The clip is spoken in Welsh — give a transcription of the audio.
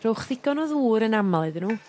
rhowch ddigon o ddŵr yn amal iddyn n'w